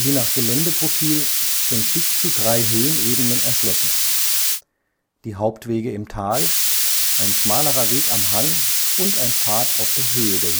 nach Geländeprofil sind bis zu drei Höhenebenen erschlossen: die Hauptwege im Tal, ein schmalerer Weg am Hang und ein Pfad auf der Höhe der